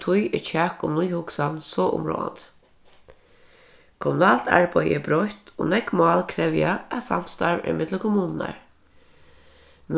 tí er kjak um nýhugsan so umráðandi kommunalt arbeiði er broytt og nógv mál krevja at samstarv er millum kommunurnar